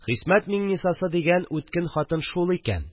Хисмәт Миңнисасы дигән үткен хатын шул икән